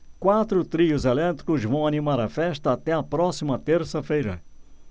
quatro trios elétricos vão animar a festa até a próxima terça-feira